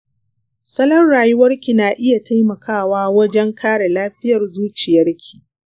salon rayuwarki na iya taimakawa wajen kare lafiyar zuciyarki.